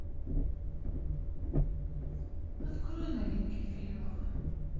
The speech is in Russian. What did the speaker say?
открой новинки фильмов